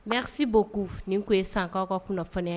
Merci beaucoup nin kun ye sankaw ka kunnafoniya ye